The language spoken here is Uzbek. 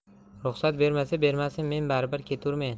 ruxsat bermasa bermasin men baribir keturmen